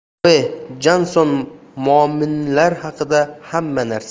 tove jansson moominlar haqida hamma narsa